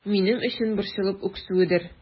Минем өчен борчылып үксүедер...